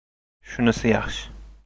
shunisi yaxshi